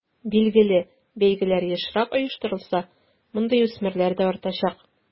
Билгеле, бәйгеләр ешрак оештырылса, мондый үсмерләр дә артачак.